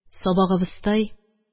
Сабак абызтай